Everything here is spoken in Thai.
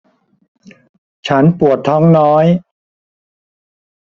ฉันปวดท้องน้อย